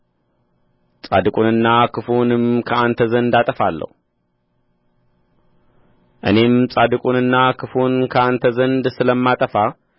ጻድቁንና ክፉውንም ከአንተ ዘንድ አጠፋለሁ እኔም ጻድቁንና ክፉውን ከአንተ ዘንድ ስለማጠፋ